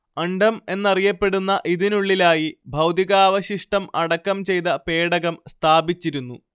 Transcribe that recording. അണ്ഡം എന്നറിയപ്പെടുന്ന ഇതിനുള്ളിലായി ഭൗതികാവശിഷ്ടം അടക്കം ചെയ്ത പേടകം സ്ഥാപിച്ചിരുന്നു